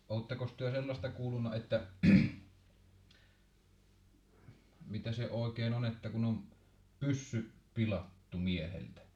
olettekos te sellaista kuullut että mitä se oikein on että kun on pyssy pilattu mieheltä